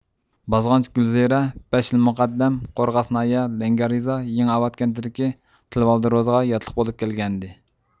بازغانچى گۈلزىرە بەش يىل مۇقەددەم قورغاس ناھىيە لەڭگەر يېزا يېڭىئاۋات كەنتىدىكى تىلىۋالدى روزىغا ياتلىق بولۇپ كەلگەنىدى